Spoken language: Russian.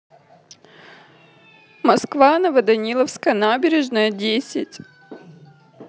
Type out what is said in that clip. москва новоданиловская набережная десять